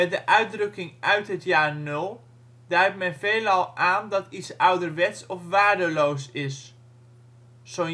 de uitdrukking " uit het jaar nul " duidt men veelal aan dat iets ouderwets of waardeloos is: Zo